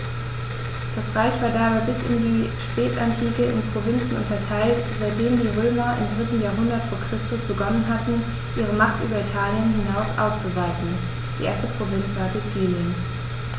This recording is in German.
Das Reich war dabei bis in die Spätantike in Provinzen unterteilt, seitdem die Römer im 3. Jahrhundert vor Christus begonnen hatten, ihre Macht über Italien hinaus auszuweiten (die erste Provinz war Sizilien).